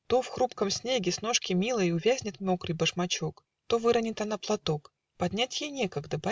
То в хрупком снеге с ножки милой Увязнет мокрый башмачок То выронит она платок Поднять ей некогда